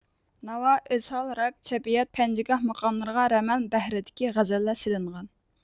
ناۋا ئۆزھال راك چەببىيات پەنجىگاھ مۇقاملىرىغا رەمەل بەھرىدىكى غەزەللەر سېلىنغان